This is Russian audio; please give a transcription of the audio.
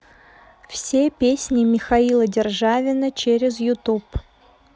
все песни михаила державина через youtube